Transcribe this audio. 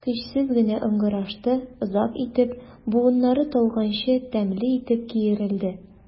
Көчсез генә ыңгырашты, озак итеп, буыннары талганчы тәмле итеп киерелде.